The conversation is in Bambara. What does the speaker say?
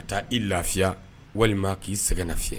Ka taa i lafiya walima k'i sɛgɛn na